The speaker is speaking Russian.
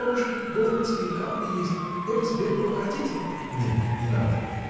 У бабушки гофманские капли есть. Я бы сбегала: хотите? — Нет, не надо.